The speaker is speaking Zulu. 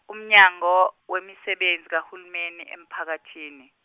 uMnyango weMisebenzi kaHulumeni emPhakathini.